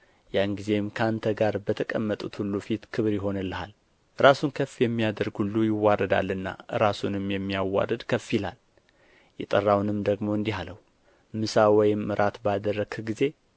ያን ጊዜም ከአንተ ጋር በተቀመጡት ሁሉ ፊት ክብር ይሆንልሃል ራሱን ከፍ የሚያደርግ ሁሉ ይዋረዳልና ራሱንም የሚያዋርድ ከፍ ይላል የጠራውንም ደግሞ እንዲህ አለው ምሳ ወይም እራት ባደረግህ ጊዜ